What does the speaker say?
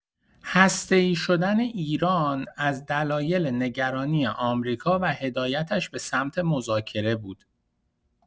هسته‌ای شدن ایران از دلایل نگرانی آمریکا و هدایتش به سمت مذاکره بود.